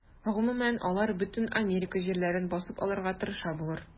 Гомумән, алар бөтен Америка җирләрен басып алырга тырыша булыр.